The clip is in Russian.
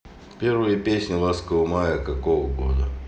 первые песни ласкового мая какого года